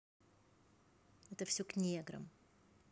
это все к неграм